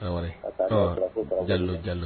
Tarawele Jalo jalo